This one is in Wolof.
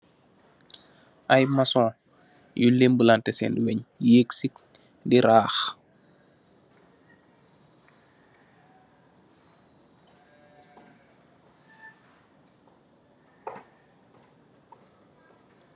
Aye mashion, yu leumblanteh sen wenge, yaik si, di raakh.